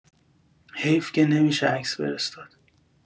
حیف که نمی‌شه عکس فرستاد